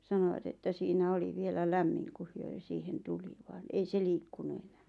sanoivat että siinä oli vielä lämmin kun he ja siihen tuli vaan ei se liikkunut enää